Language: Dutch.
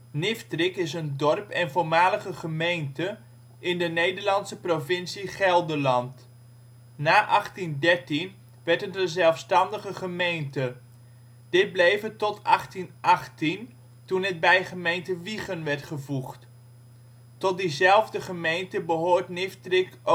Niftrik is een dorp en voormalige gemeente in de Nederlandse provincie Gelderland. Na 1813 werd het een zelfstandige gemeente. Dit bleef het tot 1818, toen het bij gemeente Wijchen werd gevoegd. Tot diezelfde gemeente behoort Niftrik